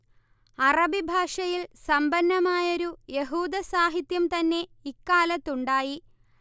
അറബി ഭാഷയിൽ സമ്പന്നമായൊരു യഹൂദസാഹിത്യം തന്നെ ഇക്കാലത്തുണ്ടായി